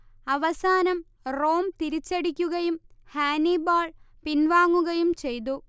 അവസാനം റോം തിരിച്ചടിക്കുകയും ഹാനിബാൾ പിൻവാങ്ങുകയും ചെയ്തു